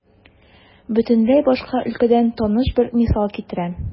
Бөтенләй башка өлкәдән таныш бер мисал китерәм.